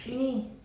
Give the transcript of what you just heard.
niin